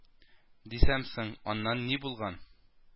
Дисәм соң, аннан ни булган